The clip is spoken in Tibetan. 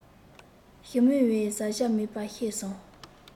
ཞི མིའི བཟའ བྱ མིན པ ཤེས སོང